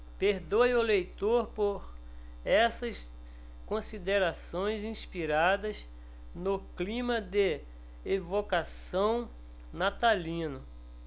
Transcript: perdoe o leitor por essas considerações inspiradas no clima de evocação natalino